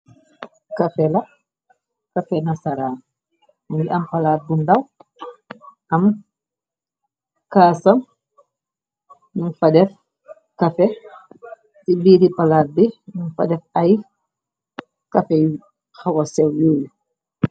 Kafe na sara mingi am palaat bu ndaw am kaasam nun fa def kafe ci biiri palaat bi nun fa def ay kafey xawasew yuyi.